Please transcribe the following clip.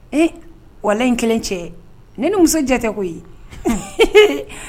Ee wa in kelen cɛ ne ni musojata tɛ ko ye